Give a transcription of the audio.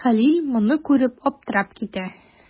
Хәлим моны күреп, аптырап китә.